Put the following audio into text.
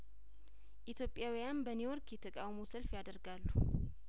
ኢትዮጵያውያን በኒውዮርክ የተቃውሞ ሰልፍ ያደርጋሉ